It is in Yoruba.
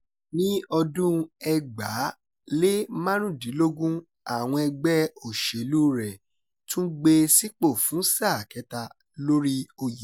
Ní ọdún 2015, àwọn ẹgbẹ́ òṣèlúu rẹ̀ tún gbé e sípò fún sáà kẹ́ta lórí oyè.